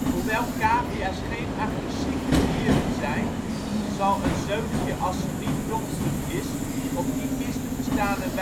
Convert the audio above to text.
Hoewel cavia 's geen agressieve dieren zijn, zal een zeugje als ze niet bronstig is op niet mis te verstane